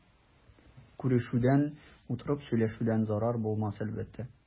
Күрешүдән, утырып сөйләшүдән зарар булмас әлбәттә.